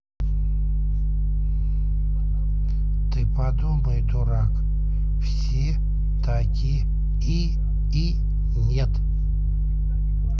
ты подумай дурак все таки и и нет